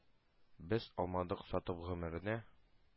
Без алмадык сатып гомерне,